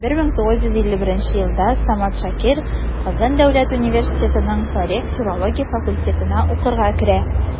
1951 елда самат шакир казан дәүләт университетының тарих-филология факультетына укырга керә.